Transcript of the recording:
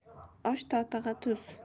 osh totig'i tuz